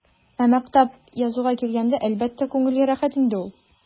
Ә мактап язуга килгәндә, әлбәттә, күңелгә рәхәт инде ул.